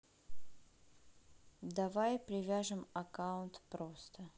давай привяжем аккаунт просто